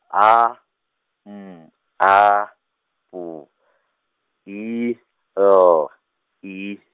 A, M, A, B, I, L, I.